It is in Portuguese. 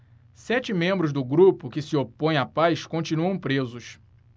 sete membros do grupo que se opõe à paz continuam presos